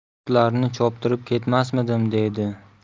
otlarni choptirib ketmasmidim dedi